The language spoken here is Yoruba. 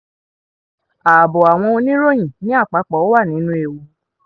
Ààbo àwọn oníròyìn, ní àpapọ̀, wà nínú ewu.